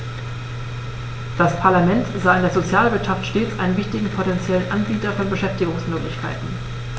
Das Parlament sah in der Sozialwirtschaft stets einen wichtigen potentiellen Anbieter von Beschäftigungsmöglichkeiten.